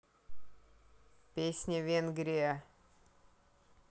песня венгрия